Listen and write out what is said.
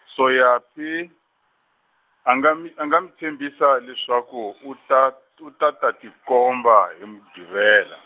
Soyaphi, a nga mi a nga mi tshembisa leswaku u ta, u ta ta tikomba hi Muqhivela.